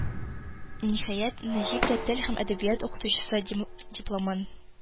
Ниһаять, Нәҗип тә тел һәм әдәбият укытучысы дипломын